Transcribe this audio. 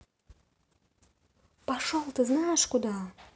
пошел ты знаешь куда